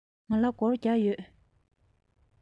ང ལ སྒོར བརྒྱད ཡོད